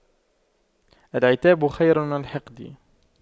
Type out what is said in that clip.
العتاب خير من الحقد